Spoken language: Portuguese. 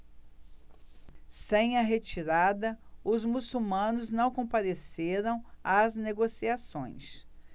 sem a retirada os muçulmanos não compareceram às negociações